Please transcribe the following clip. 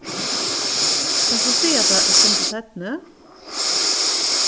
kanst tú siga hatta eitt sindur seinni